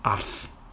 Arth.